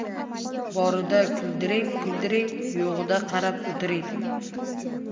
borida kuldiring kuldiring yo'g'ida qarab o'tiring